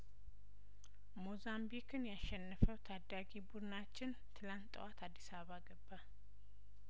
ሞዛምቢክን ያሸነፈው ታዳጊ ቡድናችን ትላንት ጠዋት አዲስአባ ገባ